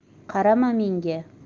qarama menga